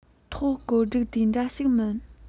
ཐོག བཀོད སྒྲིག དེ འདྲ ཞིག མིན